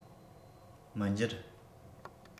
མི འགྱུར